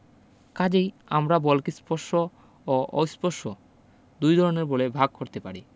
কাজেই আমরা বলকে স্পর্শ ও অস্পর্শ দুই ধরনের বলে ভাগ করতে পারি